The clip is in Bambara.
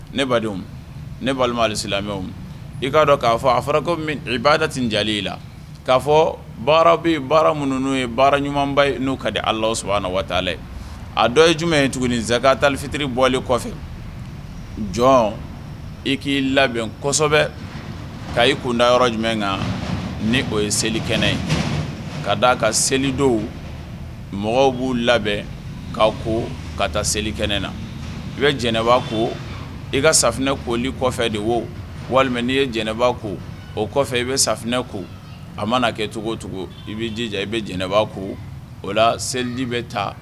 Ne badenw ne'mu ali lamɛn i k'a dɔn k'a fɔ a fɔra i ba ten ja i la k'a fɔ baara bɛ baara minnu n'u ye baara ɲumanba ye n'o ka di ala s waati a dɔ ye jumɛn ye tuguni nin z tali fitiri bɔlen kɔfɛ jɔn i k'i labɛnsɔ kosɛbɛ k''i kunda yɔrɔ jumɛn kan ni o ye selikɛnɛ ye ka d' a ka selidon mɔgɔw b'u labɛn k'a ko ka taa seli kɛnɛ na i bɛ jɛnɛba ko i ka safinɛ ko ni kɔfɛ de wo walima n'i ye jɛnɛba ko o kɔfɛ i bɛ safunɛinɛ ko a ma kɛ cogo o cogo i' jija i bɛ jɛnɛba ko o la seliji bɛ taa